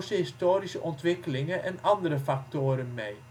historische ontwikkelingen en andere factoren mee